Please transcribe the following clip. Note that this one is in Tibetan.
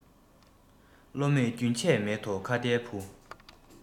བློ མེད རྒྱུན ཆད མེད དོ ཁྭ ཏའི བུ